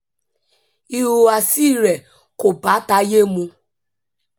Ìhùwàsíi rẹ̀ kò bá tayé mu.